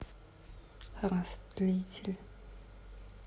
растлитель